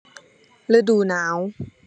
ฤดูหนาว